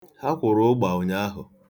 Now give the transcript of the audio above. Ha kwụrụ ụgba ụnyaahụ.